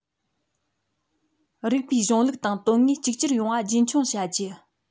རིགས པའི གཞུང ལུགས དང དོན དངོས གཅིག གྱུར ཡོང བ རྒྱུན འཁྱོངས བྱ རྒྱུ